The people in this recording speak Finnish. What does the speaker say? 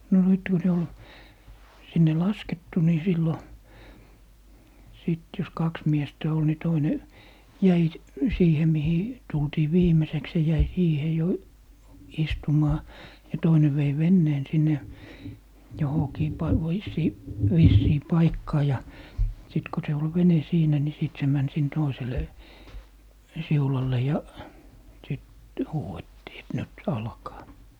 no nyt kun ne oli sinne laskettu niin silloin sitten jos kaksi miestä oli niin toinen jäi siihen mihin tultiin viimeiseksi se jäi siihen jo istumaan ja toinen vei veneen sinne johonkin -- vissiin paikkaan ja sitten kun se oli vene siinä niin sitten se meni sinne toiselle siulalle ja sitten huudettiin että nyt alkaa